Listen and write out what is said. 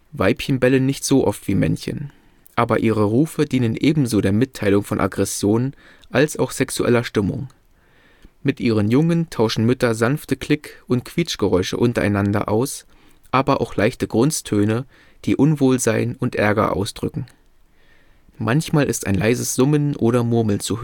Weibchen bellen nicht so oft wie Männchen. Aber ihre Rufe dienen ebenso der Mitteilung von Aggression als auch sexueller Stimmung. Mit ihren Jungen tauschen Mütter sanfte Klick - und Quietschgeräusche untereinander aus, aber auch leichte Grunztöne, die Unwohlsein und Ärger ausdrücken. Manchmal ist ein leises Summen oder Murmeln zu